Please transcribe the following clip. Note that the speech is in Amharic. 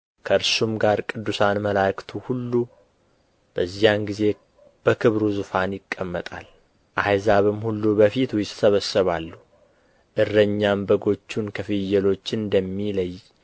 ከእርሱም ጋር ቅዱሳን መላእክቱ ሁሉ በዚያን ጊዜ በክብሩ ዙፋን ይቀመጣል አሕዛብም ሁሉ በፊቱ ይሰበሰባሉ እረኛም በጎቹን ከፍየሎች እንደሚለይ